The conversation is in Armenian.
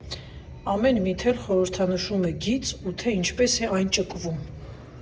Ամեն մի թել խորհրդանշում է գիծ ու թե ինչպես է այն ճկվում։